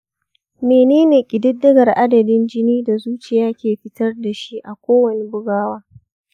menene ƙididdigar adadin jini da zuciya ke fitar da shi a kowane bugawa.